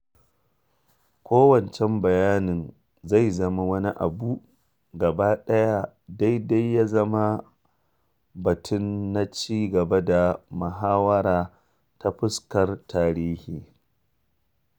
Ko wancan bayanin zai zama wani abu gaba ɗaya daidai ya zama batun na ci gaba da mahawara ta fuskar tarihi.